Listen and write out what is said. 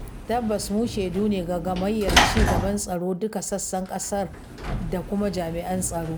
Tabbas mu shaidu ne ga gamayyar ci gaban tsaron duka sassan ƙasar da kuma jami'an tsaro.